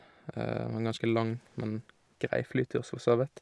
Det var en ganske lang, men grei flytur, s forsåvidt.